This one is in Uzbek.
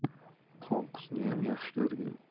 qonqusniyam yaxshi ko'rgin